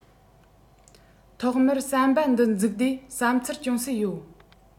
ཐོག མར ཟམ པའི འདི འཛུགས དུས བསམ ཚུལ ཅུང ཟད ཡོད